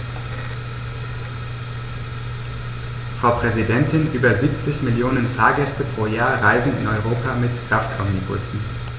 Frau Präsidentin, über 70 Millionen Fahrgäste pro Jahr reisen in Europa mit Kraftomnibussen.